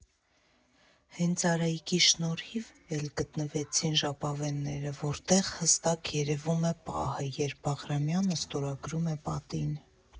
Հենց Արայիկի շնորհիվ էլ գտնվեցին ժապավենները, որտեղ հստակ երևում է պահը, երբ Բաղրամյանը ստորագրում է պատին։